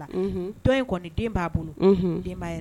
In kɔni den b'a bolo den